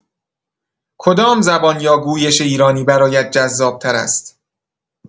کدام زبان یا گویش ایرانی برایت جذاب‌تر است؟